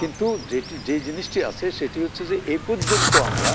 কিন্তু যেই জিনিসটি আছে সেটি হচ্ছে যে এ পর্যন্ত আমরা